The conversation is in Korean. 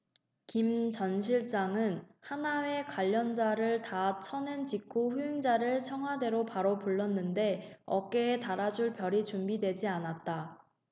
김 전 실장은 하나회 관련자를 다 쳐낸 직후 후임자를 청와대로 바로 불렀는데 어깨에 달아줄 별이 준비되지 않았다